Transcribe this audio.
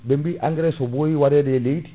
ɓebi engrais so ɓooyi waɗede e leydi